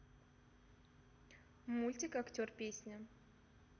мультик актер песня